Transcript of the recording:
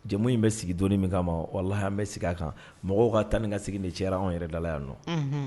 Jamu in bɛ sigi donnin min kan ma walahi an bɛ segin a kan mɔgɔw ka taa ni ka segin de cɛyara anw yɛrɛda la yan nɔ, unhun.